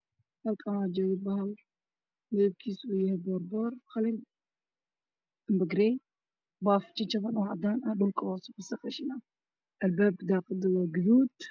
Halkaan waxaa hooga bahal midabkiisa yahay goor goor midabkiisa yahay qalin garay baaf jaajban oo cadaan ah dhulka oo kistoo qashin qashin ah albaabka daaqada wa gaduud.